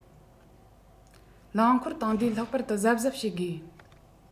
རླངས འཁོར བཏང དུས ལྷག པར དུ གཟབ གཟབ བྱེད དགོས